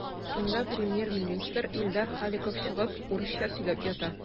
Шунда премьер-министр Илдар Халиков чыгып урысча сөйләп ята.